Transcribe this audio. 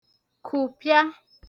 kụ̀pịa